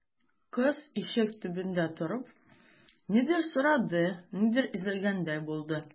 Кыз, ишек төбендә торып, нидер сорады, нидер эзләгәндәй булды.